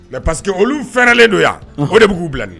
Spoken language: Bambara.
Mais parceque olu fɛrɛlen don yan. O de bi ku bila la